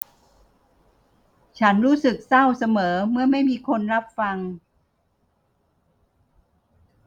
ฉันรู้สึกเศร้าเสมอเมื่อไม่มีคนรับฟัง